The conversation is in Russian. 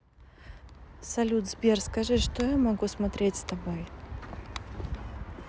салют сбер скажи что я могу смотреть с тобой